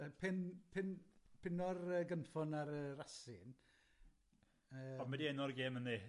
Fel pin- pin- pino'r yy gynffon ar yr asyn. Yy. On' be' 'di enw'r gem 'ynny?